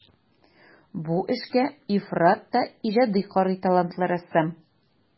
Бу эшкә ифрат та иҗади карый талантлы рәссам.